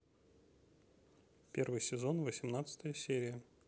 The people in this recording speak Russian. первый сезон восемнадцатая серия